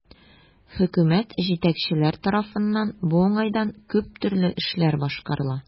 Хөкүмәт, җитәкчеләр тарафыннан бу уңайдан күп төрле эшләр башкарыла.